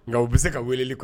Nka u bɛ se ka wele kuwa